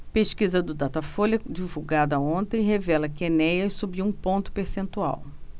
pesquisa do datafolha divulgada ontem revela que enéas subiu um ponto percentual